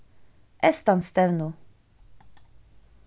eystanstevnu